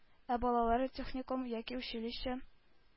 Ә балалары техникум яки училище